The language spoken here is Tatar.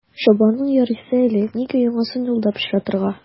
Чалбарың ярыйсы әле, нигә яңасын юлда пычратырга.